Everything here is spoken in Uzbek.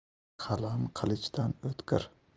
qalam qihchdan o'tkir